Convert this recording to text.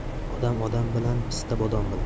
odam odam bilan pista bodom bilan